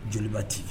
Joliba TV